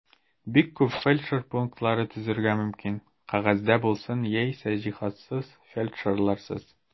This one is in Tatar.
Бик күп фельдшер пунктлары төзергә мөмкин (кәгазьдә булсын яисә җиһазсыз, фельдшерларсыз).